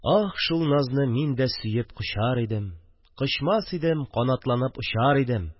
Ах, шул назны мин дә сөеп кочар идем, Кочар идем, канатланып очар идем